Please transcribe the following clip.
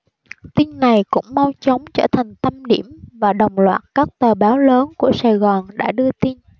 tin này cũng mau chóng trở thành tâm điểm và đồng loạt các tờ báo lớn của sài gòn đã đưa tin